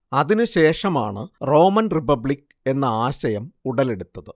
അതിനു ശേഷമാണ് Roman republic എന്ന ആശയം ഉടലെടുത്തത്